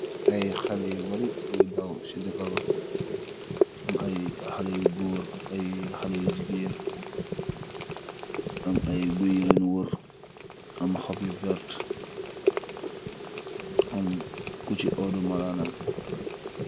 Ayy Haleh nyu burri yu doruw cii degal bii amm ayy Haleh nyu gorr amm ayy haleh nyu jigeen amm gouy yu len worr